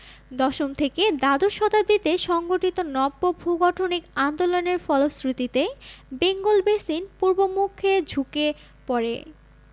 দশম থেকে দ্বাদশ শতাব্দীতে সংঘটিত নব্য ভূগঠনিক আন্দোলনের ফলশ্রুতিতে বেঙ্গল বেসিন পূর্বমুখে ঝুঁকে পড়ে